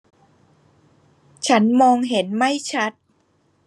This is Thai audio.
ฉันมองเห็นไม่ชัด